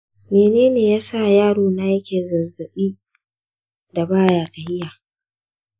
mene yasa yaro na yake zazzaɓin da baya tafiya?